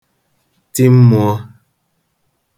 ti mmụ̄ọ̄